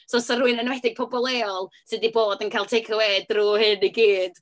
So oes 'na rywun... yn enwedig pobl leol sy 'di bod yn cael tecawê drwy hyn i gyd.